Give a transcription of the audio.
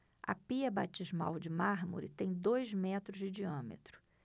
a pia batismal de mármore tem dois metros de diâmetro